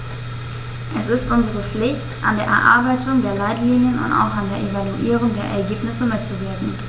Es ist unsere Pflicht, an der Erarbeitung der Leitlinien und auch an der Evaluierung der Ergebnisse mitzuwirken.